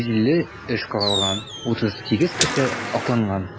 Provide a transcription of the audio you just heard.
150 эш караган; 38 кеше акланган.